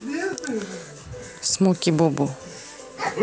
смоки бобо